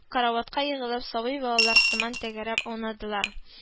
Караватка егылып сабай балалар сыман тәгәрәп аунадылар